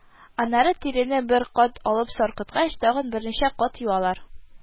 Аннан тирене бер кат алып саркыткач, тагын берничә кат юалар